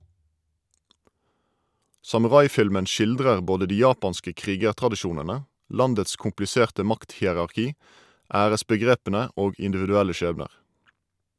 Samuraifilmen skildrer både de japanske krigertradisjonene, landets kompliserte makthierarki, æresbegrepene og individuelle skjebner.